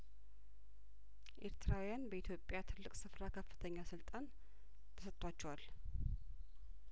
ኤርትራውያን በኢትዮጵያ ትልቅ ስፍራ ከፍተኛ ስልጣን ተሰጥቷቸዋል